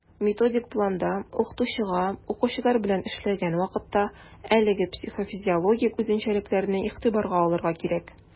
Методик планда укытучыга, укучылар белән эшләгән вакытта, әлеге психофизиологик үзенчәлекләрне игътибарга алырга кирәк.